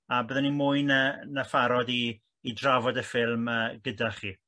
a bydden i'n mwy na na pharod i drafod y ffilm gyda chi